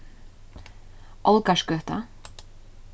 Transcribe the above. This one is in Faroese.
olgarsgøta